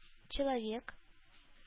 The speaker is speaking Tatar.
Человек